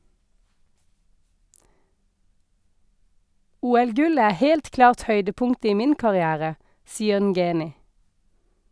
- OL-gullet er helt klart høydepunktet i min karriere, sier Ngeny.